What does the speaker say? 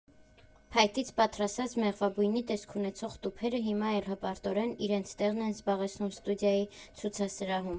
Փայտից պատրաստած՝ մեղվաբույնի տեսք ունեցող տուփերը հիմա էլ հպարտորեն իրենց տեղն են զբաղեցնում ստուդիայի ցուցասրահում։